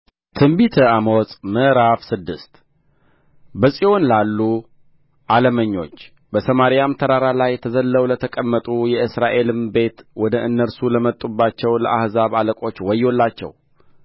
ትንቢተ አሞጽ ምዕራፍ ስድስት በጽዮን ላሉ ዓለመኞች በሰማርያም ተራራ ላይ ተዘልለው ለተቀመጡ የእስራኤልም ቤት ወደ እነርሱ ለመጡባቸው ለአሕዛብ አለቆች ወዮላቸው